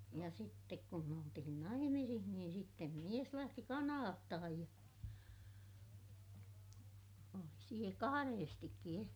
ja sitten kun me oltiin naimisissa niin sitten mies lähti Kanadaan ja oli siellä kahdestikin -